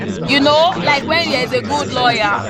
You know, like when there’s a good lawyer.